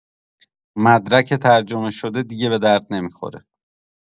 مدرک ترجمه‌شده دیگه به درد نمی‌خوره